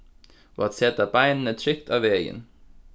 og at seta beinini trygt á vegin